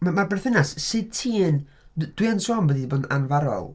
M- mae'r bethynas, sut ti'n? Dwi yn sôn bod hi wedi bod yn anfarwol.